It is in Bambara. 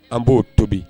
An b'o tobi